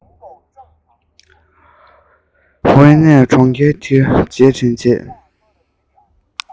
དངུལ ཁུག ནས སྒོར མོ གསུམ བརྒྱ བླངས